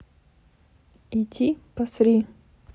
иди посри